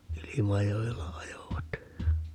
Ilmajoella ajoivat